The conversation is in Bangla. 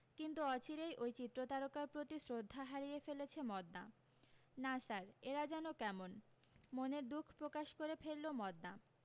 কিন্তু অচিরেই ওই চিত্রতারকার প্রতি শ্রদ্ধা হারিয়ে ফেলেছে মদনা না স্যার এরা যেন কেমন মনের দুখ প্রকাশ করে ফেললো মদনা